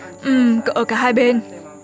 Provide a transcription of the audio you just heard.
ừm ở cả hai bên